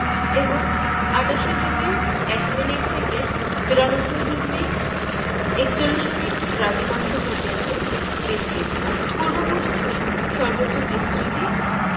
এবং ৮৮ degree ০১ minute থেকে ৯২ degree ৪১মিনিট দ্রাঘিমাংশ পর্যন্ত বিস্তৃত পূর্ব পশ্চিমে সর্বোচ্চ বিস্তৃতি